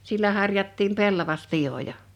sillä harjattiin pellavaspivoja